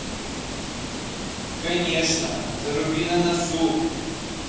конечно зарубин на носу